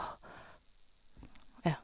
Ja.